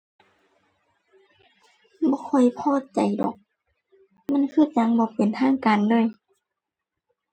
บ่ค่อยพอใจดอก มันคือจั่งบ่เป็นทางการเลย